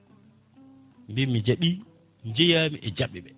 mbimi mi jaaɓi jeeyami e jabɓeɓe